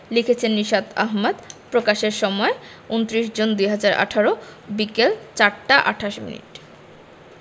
লিখেছেন নিশাত আহমেদ প্রকাশের সময় ২৯ জুন ২০১৮ বিকেল ৪টা ২৮ মিনিট